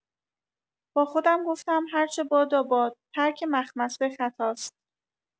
با خودم گفتم هرچه باداباد، ترک مخمصه خطاست!